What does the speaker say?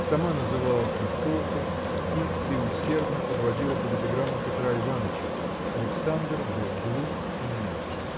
сама называлась на колкость и преусердно подводила под эпиграмму Петра Иваныча Александр был глух и нем.